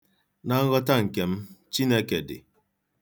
Na nghọta nke m, Chineke dị.